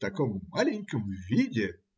в таком маленьком виде?